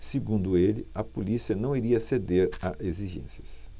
segundo ele a polícia não iria ceder a exigências